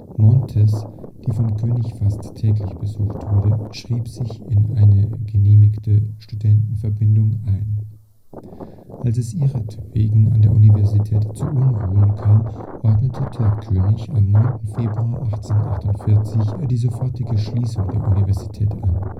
Montez, die vom König fast täglich besucht wurde, schrieb sich in eine genehmigte Studentenverbindung ein. Als es ihretwegen an der Universität zu Unruhen kam, ordnete der König am 9. Februar 1848 die sofortige Schließung der Universität an